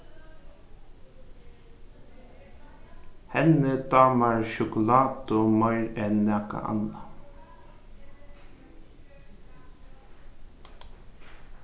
henni dámar sjokulátu meir enn nakað annað